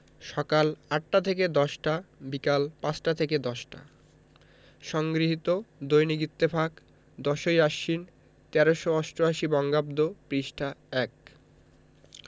সকাল ৮টা থেকে ১০টা বিকাল ৫টা থেকে ১০টা সংগৃহীত দৈনিক ইত্তেফাক ১০ই আশ্বিন ১৩৮৮ বঙ্গাব্দ পৃষ্ঠা ১